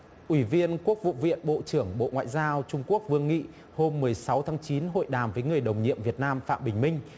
ủy viên quốc vụ viện bộ trưởng bộ ngoại giao trung quốc vương nghị hôm mười sáu tháng chín hội đàm với người đồng nhiệm việt nam phạm bình minh